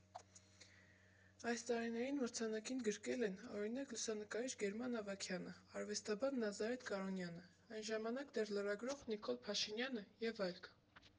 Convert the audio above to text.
Այս տարիներին մրցանակին գրկել են, օրինակ՝ լուսանկարիչ Գերման Ավագյանը, արվեստաբան Նազարեթ Կարոյանը, այն ժամանակ դեռ լրագրող Նիկոլ Փաշինյանը, և այլք։